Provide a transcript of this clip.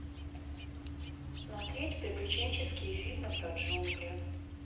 смотреть приключенческие фильмы про джунгли